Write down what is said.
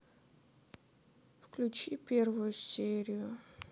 включи первую серию